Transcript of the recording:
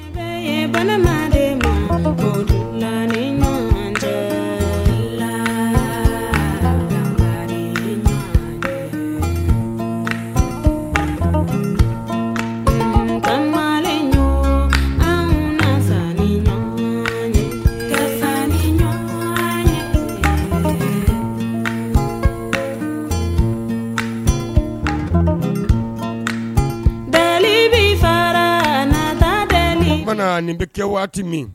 Maagodi yo laban yokari yo waunɛgɛnin yogɛnin yo deli bɛ fara kɔnɔ ni bɛ kɛ waati min